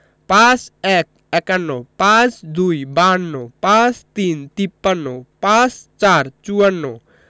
৫১ একান্ন ৫২ বাহান্ন ৫৩ তিপ্পান্ন ৫৪ চুয়ান্ন